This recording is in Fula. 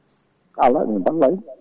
ala ɓe mballani